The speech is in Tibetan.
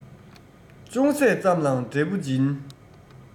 ཅུང ཟད ཙམ ལའང འབྲས བུ འབྱིན